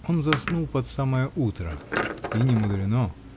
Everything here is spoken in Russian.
Он заснул под самое утро. И не мудрено!